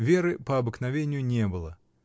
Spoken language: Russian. Веры, по обыкновению, не было.